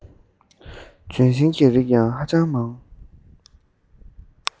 ལྗོན ཤིང གི རིགས ཀྱང ཧ ཅང མང